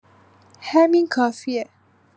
همین کافیه.